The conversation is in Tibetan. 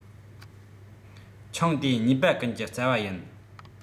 ཆང དེ ཉེས པ ཀུན གྱི རྩ བ ཡིན